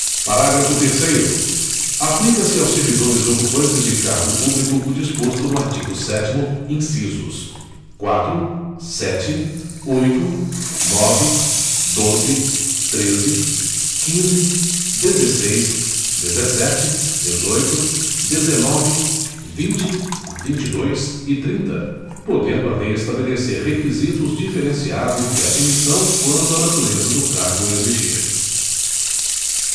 parágrafo terceiro aplica se aos servidores ocupantes de cargo público o disposto no artigo sétimo incisos quatro sete oito nove doze treze quinze dezesseis dezessete dezoito dezenove vinte vinte e dois e trinta podendo a lei estabelecer requisitos diferenciados de admissão quando a natureza do cargo o exigir